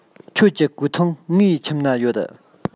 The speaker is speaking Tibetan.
ཁྱོད ཀྱི གོས ཐུང ངའི ཁྱིམ ན ཡོད